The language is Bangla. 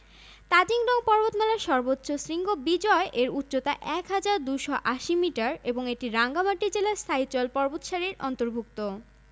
জয়পুরহাট জেলার জামালগঞ্জ রেলস্টেশন থেকে ৫ কিলোমিটার পশ্চিমে অবস্থিত এলাকাটি নওগাঁ জেলার বদলগাছি উপজেলার অন্তর্গত মহাস্থান